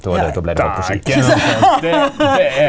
då er .